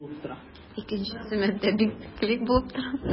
Икенчесе матдә бициклик булып тора.